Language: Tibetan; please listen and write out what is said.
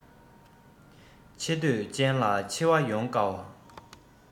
ཆེ འདོད ཅན ལ ཆེ བ ཡོང བ དཀའ